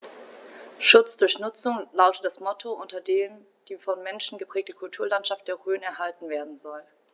„Schutz durch Nutzung“ lautet das Motto, unter dem die vom Menschen geprägte Kulturlandschaft der Rhön erhalten werden soll.